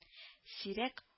Сирәк